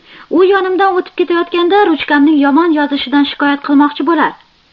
u yonimdan o'tib ketayotganda ruchkamning yomon yozishidan shikoyat qilmoqchi bo'lar